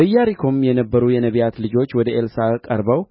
ኤልያስም ኤልሳዕ ሆይ